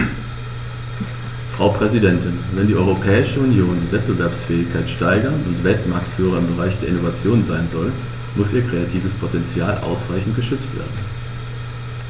Frau Präsidentin, wenn die Europäische Union die Wettbewerbsfähigkeit steigern und Weltmarktführer im Bereich der Innovation sein soll, muss ihr kreatives Potential ausreichend geschützt werden.